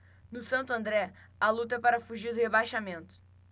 no santo andré a luta é para fugir do rebaixamento